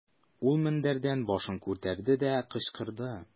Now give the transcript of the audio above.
Ул мендәрдән башын күтәрде дә, кычкырды.